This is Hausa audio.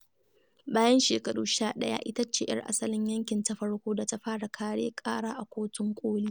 Bayan shekaru sha ɗaya, ita ce 'yar asalin yankin ta farko da ta fara kare ƙara a kotun ƙoli.